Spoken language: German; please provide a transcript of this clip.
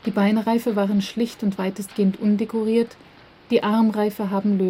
Beinreife waren schlicht und weitestgehend undekoriert, die Armreife haben